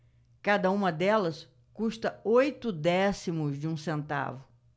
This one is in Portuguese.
cada uma delas custa oito décimos de um centavo